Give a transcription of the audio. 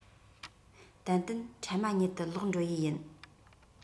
ཏན ཏན འཕྲལ མ ཉིད དུ ལོག འགྲོ ཡི ཡིན